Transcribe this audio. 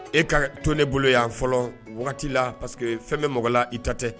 E ka to ne bolo yan fɔlɔ wagati la parce que fɛn bɛ mɔgɔ la i ta tɛ.